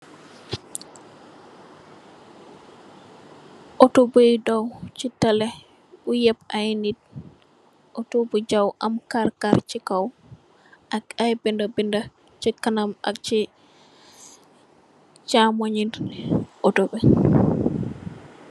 Auto bi daw ci tali, bu yépp ay nit, auto bu jew am karkar co kaw ak ay binda, binda chi kanam ak chi chàmoñ auto bi.